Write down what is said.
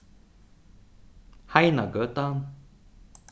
heinagøta